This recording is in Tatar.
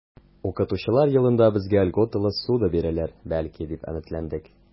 Укытучылар елында безгә льготалы ссуда бирерләр, бәлки, дип өметләндек.